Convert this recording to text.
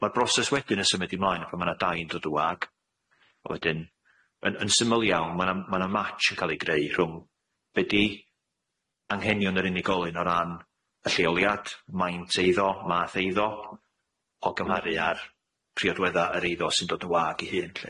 Ma'r broses wedyn yn symud i mlaen pan ma' na dai yn dod yn wag a wedyn yn yn syml iawn ma' na ma' na match yn ca'l ei greu rhwng be' di anghenion yr unigolyn o ran y lleoliad, maint eiddo, math eiddo o gymharu a'r priodwedda yr eiddo sy'n dod yn wag ei hun lly.